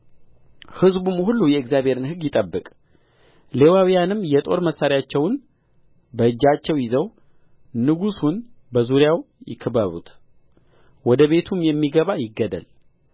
ሕዝቡም ሁሉ የእግዚአብሔርን ሕግ ይጠብቅ ሌዋውያንም የጦር መሣሪያቸውን በእጃቸው ይዘው ንጉሡን በዙሪያው ይክበቡት ወደ ቤቱም የሚገባ ይገደል